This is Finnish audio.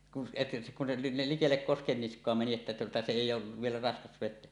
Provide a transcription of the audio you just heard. kun se kun se niin likelle koskenniskaa meni että tuota se ei ole vielä raskas vetää